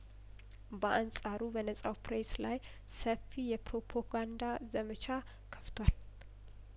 በአንጻሩ በነጻው ፕሬስ ላይ ሰፊ የፕሮፖጋንዳ ዘመቻ ከፍቷል